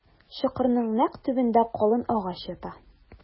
Чокырның нәкъ төбендә калын агач ята.